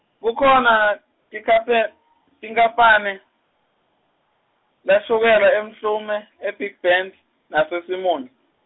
kukhona tikhape- tinkapane tashukela eMhlume e- Big Bend naseSimunye.